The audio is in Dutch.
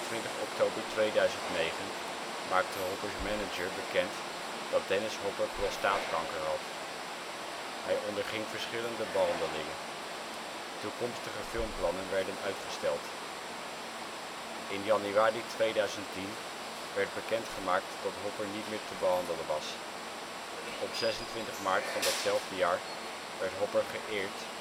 29 oktober 2009 maakte Hoppers manager bekend dat Dennis Hopper prostaatkanker had. Hij onderging verschillende behandelingen. Toekomstige filmplannen werden uitgesteld. In januari 2010 werd bekend gemaakt dat Hopper niet meer te behandelen was. Op 26 maart van datzelfde jaar werd Hopper geëerd